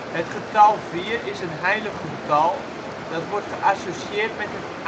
Het getal 4 is een " heilig " getal dat wordt geassocieerd met het